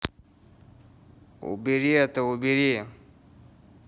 убери это убери